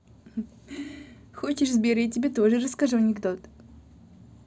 хочешь сбер я тебе тоже расскажу анекдот